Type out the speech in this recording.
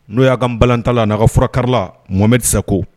N'o y'a ka balantalan ani fura karilan Mohamed Sacko